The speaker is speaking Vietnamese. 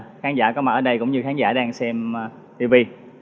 khán giả có mặt ở đây cũng như khán giả đang xem ti vi